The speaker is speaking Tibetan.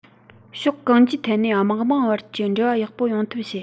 ཕྱོགས གང ཅིའི ཐད ནས དམག དམངས བར གྱི འབྲེལ བ ཡག པོ ཡོང ཐབས བྱེད